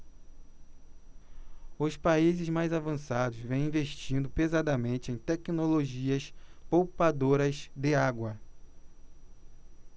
os países mais avançados vêm investindo pesadamente em tecnologias poupadoras de água